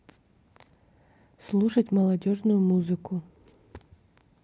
слушать молодежную музыку